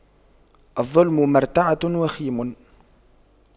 الظلم مرتعه وخيم